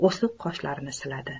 o'siq qoshlarni siladi